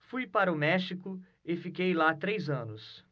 fui para o méxico e fiquei lá três anos